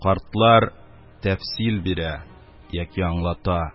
Картлар тәфсил бирә яки аңлата